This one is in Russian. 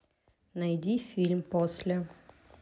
найди фильм после